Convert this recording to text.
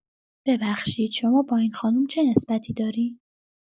ببخشید شما با این خانم چه نسبتی دارین؟